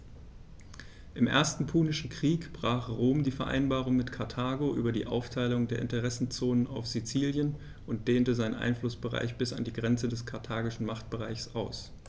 Im Ersten Punischen Krieg brach Rom die Vereinbarung mit Karthago über die Aufteilung der Interessenzonen auf Sizilien und dehnte seinen Einflussbereich bis an die Grenze des karthagischen Machtbereichs aus.